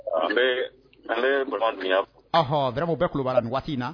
An bɛ, an bɛ Burama Dunbiya fo, ɔhɔ, vraiment u bɛɛ tulo b'a' la nin waati in na